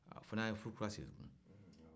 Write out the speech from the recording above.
fo ni a ye furukura siri tun